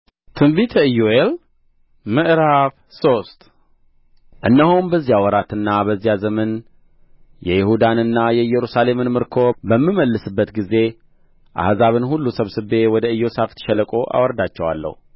ትንቢተ ኢዮኤል ምዕራፍ ሶስት እነሆም በዚህ ወራትና በዚህ ዘመን የይሁዳንና የኢየሩሳሌምን ምርኮ በምመልስበት ጊዜ አሕዛብን ሁሉ ሰብስቤ ወደ ኢዮሣፍጥ ሸለቆ አወርዳቸዋለሁ